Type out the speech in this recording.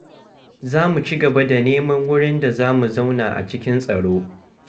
Za mu cigaba da neman wurin da za mu zauna a cikin tsaro.